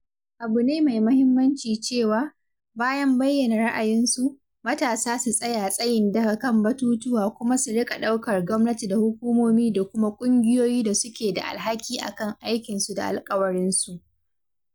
Abu ne mai mahimmanci cewa, bayan bayyana ra’ayinsu, matasa su tsaya tsayin daka kan batutuwa kuma su riƙa ɗaukar gwamnati da hukumomi da kuma ƙungiyoyi da su ke da alhaki akan aikinsu da alkawarinsu.